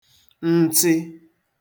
ntsị